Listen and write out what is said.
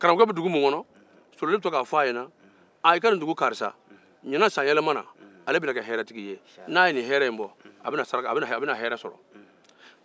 solonin bɛ to k'a fɔ a ɲɛna i karisa n'a ye ni saraka in bɔ a bɛna hɛɛrɛ sɔrɔ